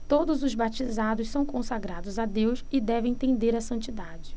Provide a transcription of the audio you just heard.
todos os batizados são consagrados a deus e devem tender à santidade